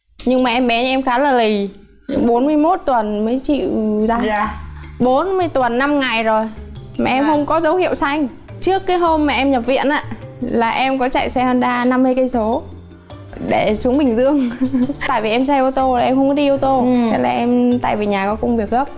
nhưng mà em bé nhà em khá là lì những bốn mươi mốt tuần mới chịu ra ra bốn mươi tuần năm ngày rồi mà em không có dấu hiệu sanh trước cái hôm mà em nhập viện á là em có chạy xe hon đa năm mươi cây số để xuống bình dương tại vì em say ô tô là em hông có đi ô tô ừm thế là em tại vì nhà có công việc gấp